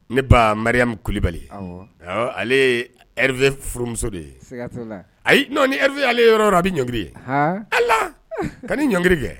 Ne ba mariali kulubali ale ye furumuso de ye ayi n'o ale yɔrɔ a bɛ ɲɔgri ye ala ka ni ɲɔri kɛ